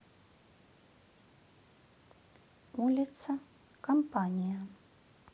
улица компания